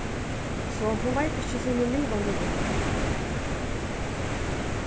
so hon veit ikki síni livandi ráð